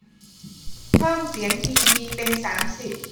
เพิ่มเสียงทีวีเป็นสามสิบ